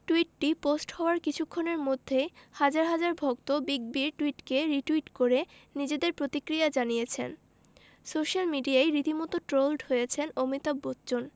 টুইটটি post হওয়ার কিছুক্ষণের মধ্যেই হাজার হাজার ভক্ত বিগ বির টুইটকে রিটুইট করে নিজেদের প্রতিক্রিয়া জানিয়েছেন সোশ্যাল মিডিয়ায় রীতিমতো ট্রোলড হয়েছেন অমিতাভ বচ্চন